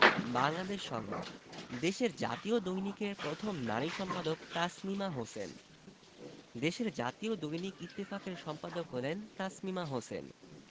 বাংলাদেশ সংবাদ দেশের জাতীয় দৈনিকের প্রথম নারী সম্পাদক তাসমিমা হোসেন দেশের জাতীয় দৈনিক ইত্তেফাকের সম্পাদক হলেন তাসমিমা হোসেন